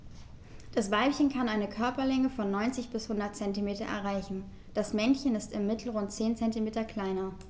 Das Weibchen kann eine Körperlänge von 90-100 cm erreichen; das Männchen ist im Mittel rund 10 cm kleiner.